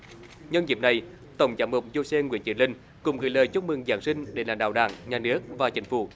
nhân dịp này tổng giám mục giu se nguyễn chí linh cùng gửi lời chúc mừng giáng sinh để lãnh đạo đảng nhà nước và chính phủ